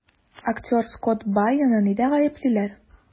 Актер Скотт Байоны нидә гаеплиләр?